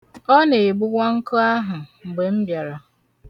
Ọ na-egbuwa nkụ ahụ mgbe m bịara.